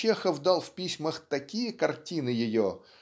Чехов дал в письмах такие картины ее